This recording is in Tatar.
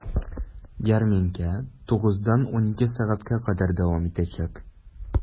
Ярминкә 9 дан 12 сәгатькә кадәр дәвам итәчәк.